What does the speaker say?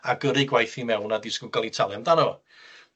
a gyrru gwaith i mewn a disgwl ca'l 'i talu amdano fo.